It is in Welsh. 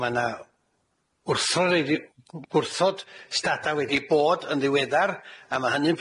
ma' 'na wrtho rei- wrthod stada wedi bod yn ddiweddar a ma' hynny'n